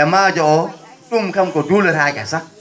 e maaja oo ?um kam ko duuletaake sah